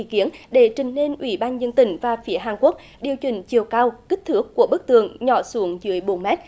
ý kiến để trình lên ủy ban nhân dân tỉnh và phía hàn quốc điều chỉnh chiều cao kích thước của bức tượng nhỏ xuống dưới bốn mét